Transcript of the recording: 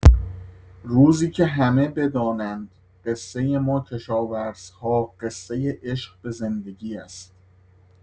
روزی که همه بدانند قصه ما کشاورزها قصه عشق به زندگی است.